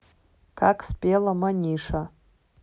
как спела маниша